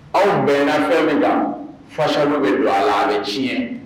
Anw bɛn na fɛn min kan fasa dɔ bɛ bila a la bɛ tiɲɛ